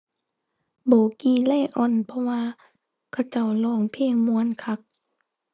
BOWKYLION เพราะว่าเขาเจ้าร้องเพลงม่วนคัก